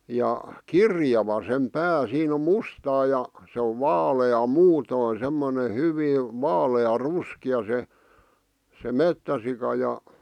ja kirjava sen pää siinä on mustaa ja se on vaalea muuten semmoinen hyvin vaalean ruskea se se metsäsika ja